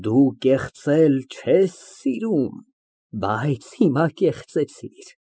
Դու կեղծել չես սիրում, բայց հիմա կեղծեցիր։